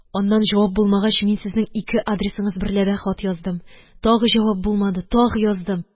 Аннан җавап булмагач, мин сезнең ике адресыңыз берлә дә хат яздым, тагы җавап булмады, тагы яздым.